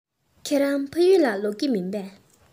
ཁྱེད རང ཕ ཡུལ ལ ལོག གི མིན པས